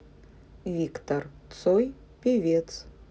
виктор цой певец